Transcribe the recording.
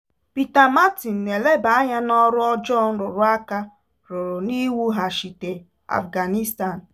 Peter Marton na-eleba anya n'ọrụ ọjọọ nrụrụaka rụrụ n'iwughachita Afghanistan.